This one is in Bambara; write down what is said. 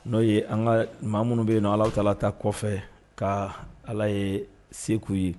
N'o ye an ka maa minnu bɛ yen' ala taa ta kɔfɛ ka ala ye segu ye